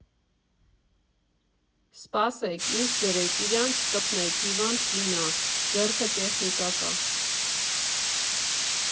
Սպասեք, ինձ ջրեք, իրեն չկպնեք, հիվանդ կին ա, ձեռքը տեխնիկա կա։